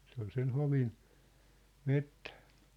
se oli sen hovin metsää